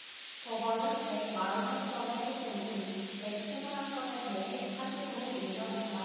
법원은 백 마흔 한 건의 소송 중 백 스물 한 건에 대해 사실혼을 인정했다